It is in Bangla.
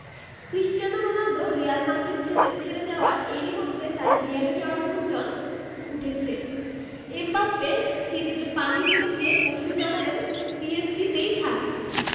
ক্রিস্টিয়ানো রোনালদো রিয়াল মাদ্রিদ ছেড়ে যাওয়ায় এরই মধ্যে তাঁর রিয়ালে যাওয়ার গুঞ্জন উঠেছে এমবাপ্পে সেটিতে পানি ঢেলে দিয়ে পরশু জানালেন পিএসজিতেই থাকছি